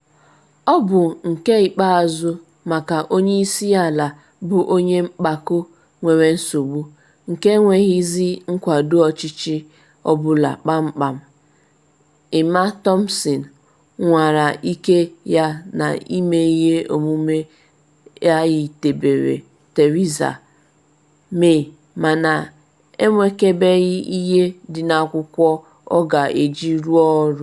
Ọ bụ nke ikpeazụ maka onye isi ala bụ onye mpako nwere nsogbu, nke enweghịzi nkwado ọchịchị ọ bụla kpamkpam: Emma Thompson nwara ike ya na ime ihe omume a yitebere Teresa-May mana enwekebeghị ihe dị n’akwụkwọ ọ ga-eji rụọ ọrụ.